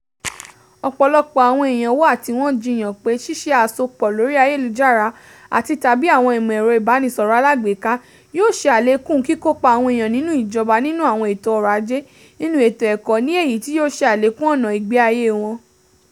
Ọ̀pọ̀lọpọ̀ àwọn èèyàn wà tí wọ́n jiyàn pé ṣíṣe àsopọ̀ lórí ayélujára àti/tàbí àwọn ìmọ̀ ẹ̀rọ ìbánisọ̀rọ̀ alágbèéká yóò ṣe àlékún kíkópa àwọn èèyàn nínú ìjọba, nínú àwọn ètò ọ̀rọ̀ ajé, nínú ètò ẹ̀kọ́ ní èyí tí yóò ṣe àlékún ọ̀nà ìgbé ayé wọn.